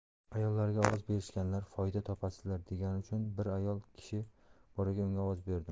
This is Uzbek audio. ayollarga ovoz bersanglar foyda topasizlar degani uchun bir ayol kishi bor ekan unga ovoz berdim